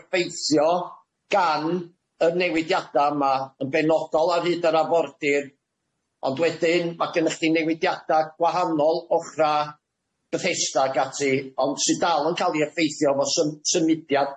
effeithio gan y newidiada yma yn benodol ar hyd yr afordir ond wedyn ma' gynnoch chdi newidiada gwahanol o'chra' Bethesda ac ati ond sy dal yn ca'l i effeithio fo sym- symudiad